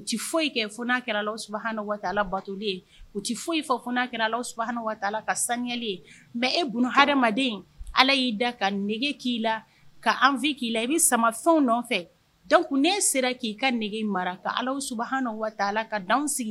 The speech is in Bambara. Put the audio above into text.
U tɛ kɛra bato u tɛ foyi kɛra ka sanuli mɛ eden ala y'i da ka nɛgɛge k'i la ka an fɛ k'i la i bɛ sama fɛn nɔfɛ dɔnkuc kun ne sera k'i ka nɛgɛge mara ka ala suuna la ka sigi